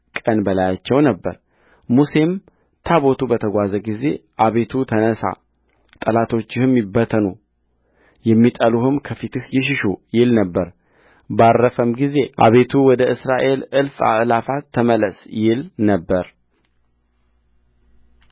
ቀን በላያቸው ነበረሙሴም ታቦቱ በተጓዘ ጊዜ አቤቱ ተነሣ ጠላቶችህም ይበተኑ የሚጠሉህም ከፊትህ ይሽሹ ይል ነበርባረፈም ጊዜ አቤቱ ወደ እስራኤል እልፍ አእላፋት ተመለስ ይል ነበር